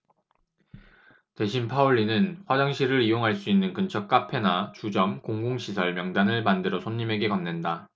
대신 파울리는 화장실을 이용할 수 있는 근처 카페나 주점 공공시설 명단을 만들어 손님들에게 건넨다